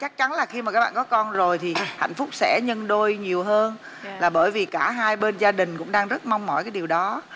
chắc chắn là khi mà các bạn có con rồi thì hạnh phúc sẽ nhân đôi nhiều hơn là bởi vì cả hai bên gia đình cũng đang rất mong mỏi cái điều đó